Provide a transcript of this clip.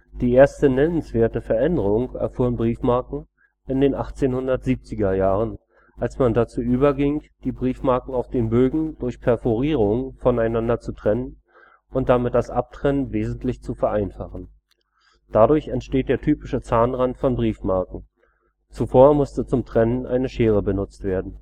Die erste nennenswerte Veränderung erfuhren Briefmarken in den 1870er-Jahren, als man dazu überging, die Briefmarken auf den Bögen durch Perforierungen voneinander zu trennen um damit das Abtrennen wesentlich zu vereinfachen. Dadurch entsteht der typische Zahnrand von Briefmarken. Zuvor musste zum Trennen eine Schere benutzt werden